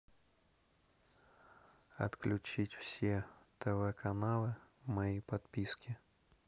отключить все тв каналы мои подписки